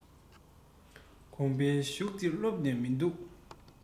གོམས པའི ཤུགས འདི བཟློག ཐབས མིན འདུག